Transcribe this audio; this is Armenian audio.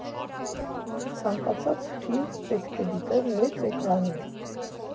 Ցանկացած ֆիլմ պետք է դիտել մեծ էկրանին։